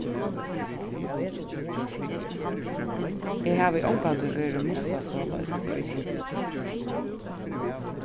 eg havi ongantíð verið mussað soleiðis fyrr